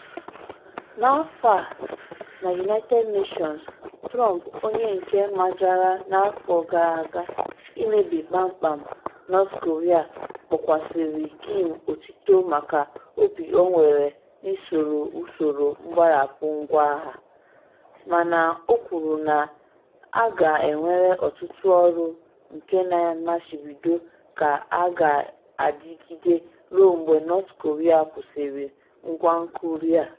N’afọ a na United Nations, Trump onye nke majara n’afọ gara aga “imebi kpam kpam” North Korea, kpokwasara Kim otito maka obi ọ nwere n’isoro usoro mgbarapụ ngwa agha, mana o kwuru na a ka nwere ọtụtụ ọrụ nke na mmachibido ka ga-adịgide ruo mgbe North Korea kwụsịrị ngwa nuklịa.